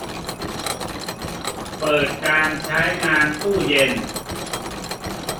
เปิดการใช้งานตู้เย็น